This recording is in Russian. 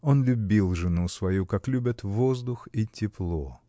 Он любил жену свою, как любят воздух и тепло.